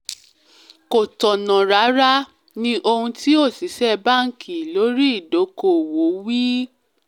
Kò tọ̀nà rárá,” ni ohun tí òṣìṣẹ́ báǹkì lórí ìdókòwò wí,